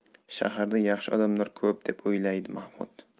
shaharda yaxshi odamlar ko'p deb o'yladi mahmud